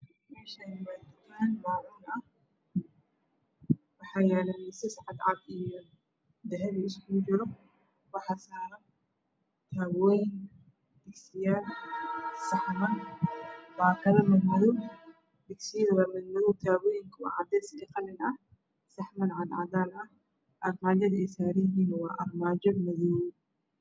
Meeshani waa dukaan macuun ah waxaa yaala misas cad cad iyo dahabi isugu jiro waxaa saaran taawooyin digsiyaal. Saxamo baakado mad madaw digsiyada waa mad madaw taawooyinku waa cadays iyo qalin ah saxamo cad cadaan ah armaajada ay saaran yihiin waa armaajo madaw